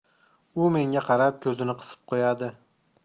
u menga qarab ko'zini qisib qo'yadi